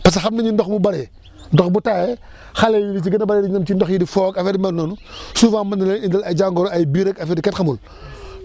parce que xam nañ ni ndox bu bëree ndox bu taayee xale yu ci gën a bëri dañuy dem ci ndox yi di fo ak affaire yu mel noonu souvent mën na leen indil ay jangoro ay biir ak affaire yu kenn xamul